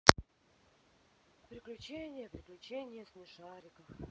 приключения приключения смешариков